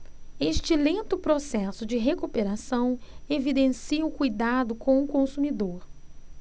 este lento processo de recuperação evidencia o cuidado com o consumidor